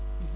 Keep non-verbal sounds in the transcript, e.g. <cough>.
<hesitation> <hesitation>